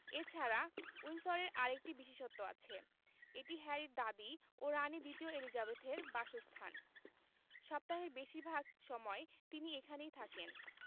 এ ছাড়া উইন্ডসরের আরেকটি বিশেষত্ব আছে এটি হ্যারির দাদি ও রানি দ্বিতীয় এলিজাবেথের বাসস্থান সপ্তাহের বেশির ভাগ সময় তিনি এখানেই থাকেন